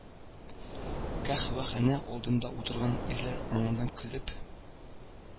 Каһвәханә алдында утырган ирләр аңардан көлеп